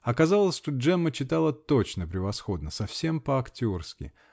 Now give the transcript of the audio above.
Оказалось, что Джемма читала точно превосходно -- совсем по-актерски.